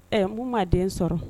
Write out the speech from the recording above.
Ɛɛ mun ma den sɔrɔ